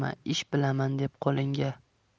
ish bilaman deb qo'lingga